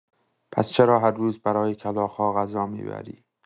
پس چرا هر روز برای کلاغ‌ها غذا می‌بری؟!